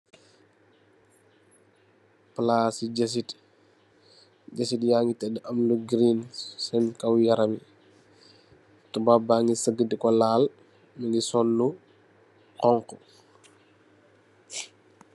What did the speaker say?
Palasi jasit. jasit ya ngi teda am lu gireen sen yaram yi tooba bags saga diko lal ngu gi sol lu honha.